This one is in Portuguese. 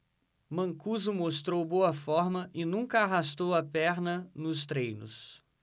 mancuso mostrou boa forma e nunca arrastou a perna nos treinos